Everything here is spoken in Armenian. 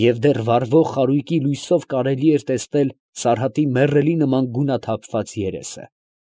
Եվ դեռ վառվող խարույկի լույսով կարելի էր տեսնել Սարհատի մեռելի նման գունաթափված երեսը…։